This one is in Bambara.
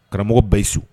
Karamɔgɔ ba' su